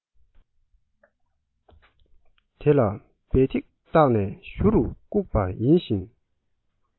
དེ ལ བལ ཐིག བཏགས ནས གཞུ རུ བཀུག པ ཡིན ཞིང